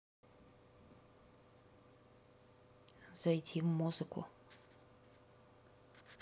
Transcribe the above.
зайти в музыку